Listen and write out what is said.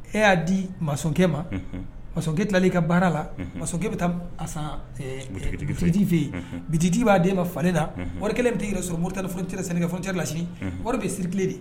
E y'a di makɛ ma masakɛ tilali i ka baara la masakɛkɛ bɛ taadi fɛ yen bijji b'a den ka falenla wari kelen tɛ yɛrɛ sɔrɔ tɛ sɛnɛ fcɛla wari bɛ siriti de